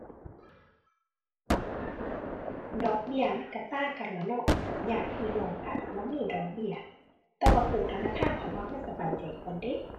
ดอกเบี้ยมันก็ต่างกันล่ะเนาะ ญาติพี่น้องมันอาจสิบ่มีดอกเบี้ย แต่ว่ากู้ธนาคารข้อยว่ามันสบายใจก่อนเดะ